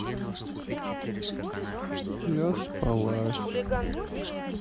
я спалась